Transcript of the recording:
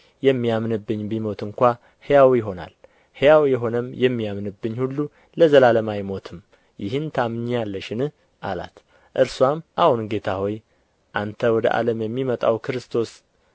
የሚያምንብኝ ቢሞት እንኳ ሕያው ይሆናል ሕያው የሆነም የሚያምንብኝም ሁሉ ለዘላለም አይሞትም ይህን ታምኚያለሽን አላት እርስዋም አዎን ጌታ ሆይ አንተ ወደ ዓለም የሚመጣው ክርስቶስ